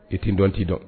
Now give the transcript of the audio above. I t' dɔn'i dɔn